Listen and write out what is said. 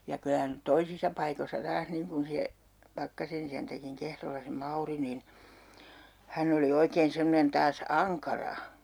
ja kyllä nyt toisissa paikoissa taas niin kuin se Pakkasen isäntäkin Kehrolla se Mauri niin hän oli oikein semmoinen taas ankara